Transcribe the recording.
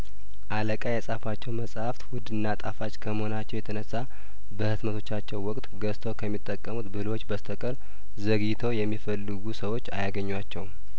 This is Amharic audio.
አለቃ የጻፏቸው መጽሀፍት ውድና ጣፋጭ ከመሆ ናቸው የተነሳ በህትመቶቻቸው ወቅት ገዝተው ከሚጠቀሙት ብልህዎች በስተቀር ዘግይተው የሚፈልጉ ሰዎች አያገኟቸውም